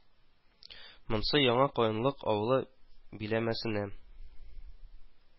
Монысы Яңа Каенлык авылы биләмәсенә